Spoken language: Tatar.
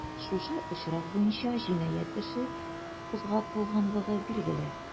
Шушы очрак буенча җинаять эше кузгатылганлыгы билгеле.